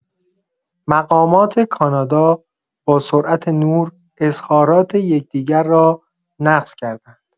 مقامات کانادا با سرعت نور اظهارات یکدیگر را نقض کردند.